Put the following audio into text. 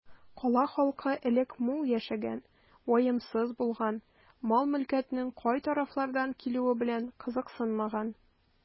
Кала халкы элек мул яшәгән, ваемсыз булган, мал-мөлкәтнең кай тарафлардан килүе белән кызыксынмаган.